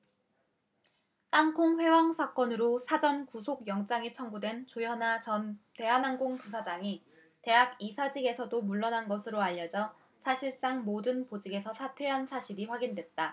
땅콩 회항 사건으로 사전 구속영장이 청구된 조현아 전 대한항공 부사장이 대학 이사직에서도 물러난 것으로 알려져 사실상 모든 보직에서 사퇴한 사실이 확인됐다